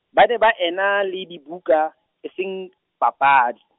ba ne ba ena, le dibuka, e seng, papadi.